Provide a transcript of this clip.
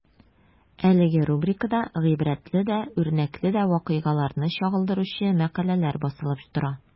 Әлеге рубрикада гыйбрәтле дә, үрнәкле дә вакыйгаларны чагылдыручы мәкаләләр басылып тора.